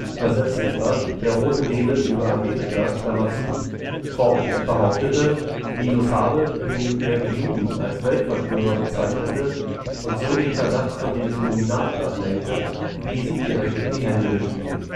übersetzt etwa: „ Der rote Nebel über Amerika “) fort und behauptete, Nilus habe, indem er die Juden als Weltverschwörer bezeichnete und so den Verdacht von den Illuminaten ablenkte, diesen direkt in die Hände gespielt